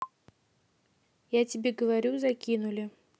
я тебе говорю закинули